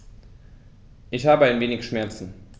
Ich habe ein wenig Schmerzen.